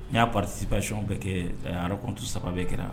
N' y'a patisipsiɔn bɛɛ kɛ araktu saba bɛɛ kɛra